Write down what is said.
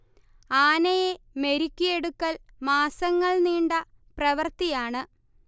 ആനയെ മെരുക്കിയെടുക്കൽ മാസങ്ങൾ നീണ്ട പ്രവൃത്തിയാണ്